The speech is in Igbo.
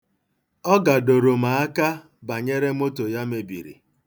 Ọ gadoro m aka banyere moto ya mebiri.